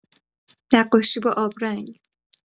نقاشی با آبرنگ